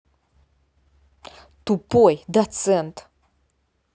тупой доцент